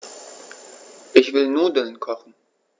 Ich will Nudeln kochen.